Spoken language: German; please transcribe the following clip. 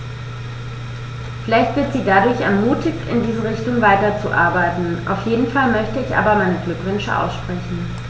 Vielleicht wird sie dadurch ermutigt, in diese Richtung weiterzuarbeiten, auf jeden Fall möchte ich ihr aber meine Glückwünsche aussprechen.